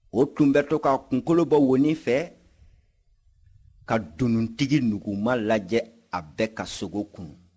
o tun bɛ to k'a kunkolo bɔ wonin fɛ ka dununtigi nuguma lajɛ a bɛ ka sogo kunu